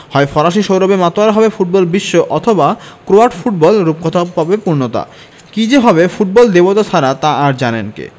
হয় ফরাসি সৌরভে মাতোয়ারা হবে ফুটবলবিশ্ব অথবা ক্রোয়াট ফুটবল রূপকথা পাবে পূর্ণতা কী যে হবে ফুটবল দেবতা ছাড়া তা আর জানেন কে